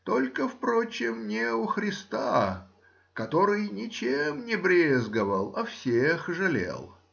только, впрочем, не у Христа, который ничем не брезговал, а всех жалел.